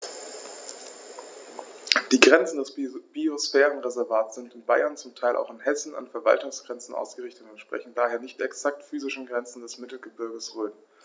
Die Grenzen des Biosphärenreservates sind in Bayern, zum Teil auch in Hessen, an Verwaltungsgrenzen ausgerichtet und entsprechen daher nicht exakten physischen Grenzen des Mittelgebirges Rhön.